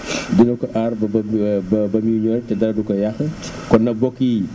dina ko aar ba ba ba ba muy ñor te dara du ko yàq kon nag mbokk yi